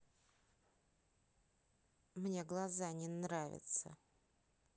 мне глаза не нравятся